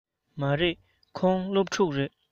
མ རེད ཁོང སློབ ཕྲུག རེད